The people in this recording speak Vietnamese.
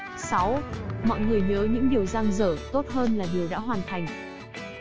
mọi người nhớ những điều dang dở tốt hơn là điều đã hoàn thành